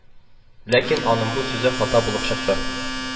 Ләкин аның бу сүзе хата булып чыкты